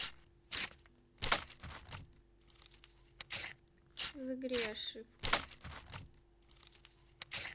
в игре ошибка